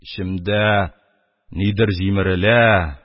Эчемдә нидер җимерелә,